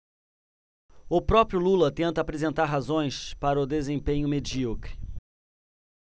o próprio lula tenta apresentar razões para o desempenho medíocre